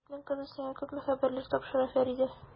Табибның кызы сиңа күпме хәбәрләр тапшыра, Фәридә!